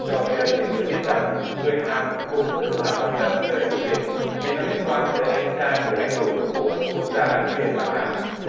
cho bi ây việt ngữ biết rằng người hàn cũng rất là quan tâm tới vụ việc vì nó liên quan tới anh trai của lãnh tụ của quốc gia láng giềng bắc hàn